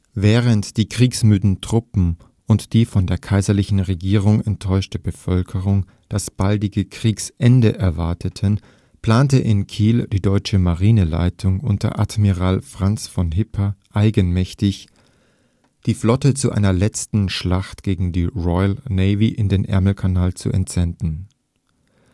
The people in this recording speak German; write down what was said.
Während die kriegsmüden Truppen und die von der kaiserlichen Regierung enttäuschte Bevölkerung das baldige Kriegsende erwarteten, plante in Kiel die deutsche Marineleitung unter Admiral Franz von Hipper eigenmächtig, die Flotte zu einer letzten Schlacht gegen die Royal Navy in den Ärmelkanal zu entsenden. Der